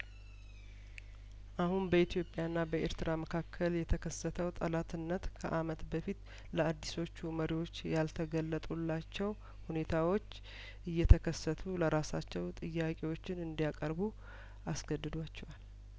አሁን በኢትዮጵያ ና በኤርትራ መካከል የተከሰተው ጠላትነት ከአመት በፊት ለአዲሶቹ መሪዎች ያልተገለጡላቸው ሁኔታዎች እየተከሰቱ ለራሳቸው ጥያቄዎችን እንዲ ያቀርቡ አስገድዷቸዋል